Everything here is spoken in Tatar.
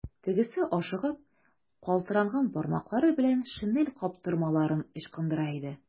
Тегесе ашыгып, калтыранган бармаклары белән шинель каптырмаларын ычкындыра иде.